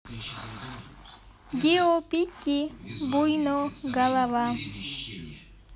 гио пики буйно голова